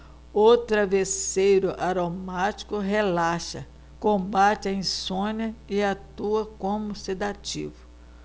o travesseiro aromático relaxa combate a insônia e atua como sedativo